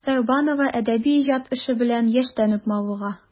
Сәүбанова әдәби иҗат эше белән яшьтән үк мавыга.